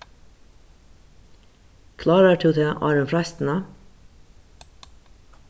klárar tú tað áðrenn freistina